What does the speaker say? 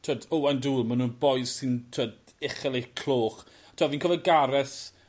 t'wod Owain Doull ma' nw'n bois sy'n t'wod uchel eu cloch t'wod fi'n cofio Gareth